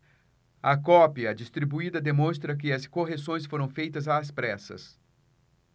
a cópia distribuída demonstra que as correções foram feitas às pressas